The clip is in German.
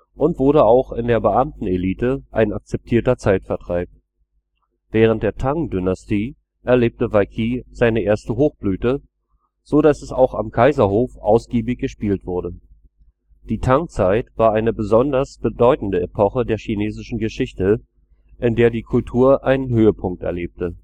und wurde auch in der Beamtenelite ein akzeptierter Zeitvertreib. Während der Tang-Dynastie erlebte Weiqi eine erste Hochblüte, so dass es auch am Kaiserhof ausgiebig gespielt wurde. Die Tang-Zeit war eine besonders bedeutende Epoche der chinesischen Geschichte, in der die Kultur einen Höhepunkt erlebte